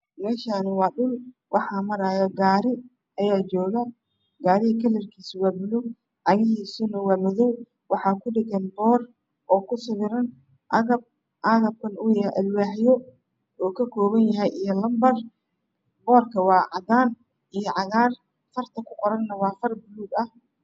Meeshaan waa dhul waxaa maraayo gaari ayaa jooga. Gaariga kalarkiisu waa buluug cagihiisana waa madow waxaa kudhagan boor oo kusawiran agab alwaax yo ah iyo lambar boorka waa cadaan iyo cagaar fartana waa buluug.